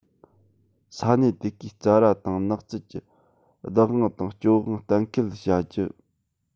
ས གནས དེ གའི རྩྭ ར དང ནགས ཚལ གྱི བདག དབང དང སྤྱོད དབང གཏན ཁེལ བྱ རྒྱུ